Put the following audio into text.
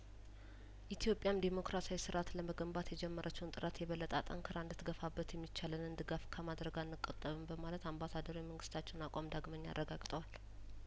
ኢትዮጵያም ዴሞክራሲያዊ ስርአት ለመገንባት የጀመረችውን ጥረት የበለጠ አጠንክራ እንድትገፋበት የሚቻለንን ድጋፍ ከማድረግ አንቆጠብም በማለት አምባሳደሩ የመንግስታቸውን አቋም ዳግመኛ አረጋግጠዋል